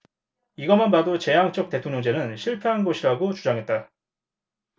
이것만 봐도 제왕적 대통령제는 실패한 것이라고 주장했다